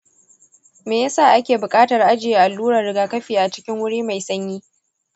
me yasa ake bukatar ajiye alluran rigakafi a cikin wuri mai sanyi?